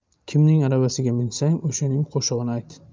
kimning aravasiga minsang o'shaning qo'shig'ini ayt